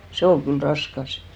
se oli kyllä raskas